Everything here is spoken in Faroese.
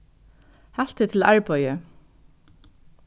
halt teg til arbeiðið